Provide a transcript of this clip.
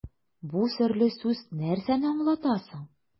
Бу серле сүз нәрсәне аңлата соң?